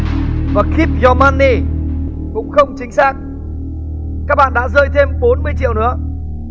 và kíp do măn ni cũng không chính xác các bạn đã rơi thêm bốn mươi triệu nữa